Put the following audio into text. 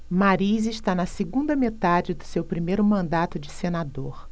mariz está na segunda metade do seu primeiro mandato de senador